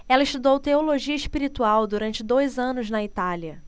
ela estudou teologia espiritual durante dois anos na itália